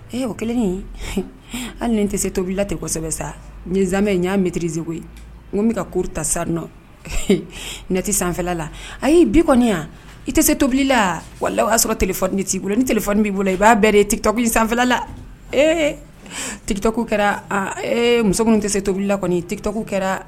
Ee o kelen an tɛ se tobilila tɛsɛbɛ sa zan'a mɛtiririze ye n bɛ kuruta sa n nɔ ne tɛ sanfɛla a'i bi kɔni yan i tɛ se tobili la wala o y'a sɔrɔ tile fɔoni tɛ'i bolo ni tele fɔ b'i bolo i b'a bɛɛ te sanfɛla ee tbi kɛra muso min tɛ se tobilila ti kɛra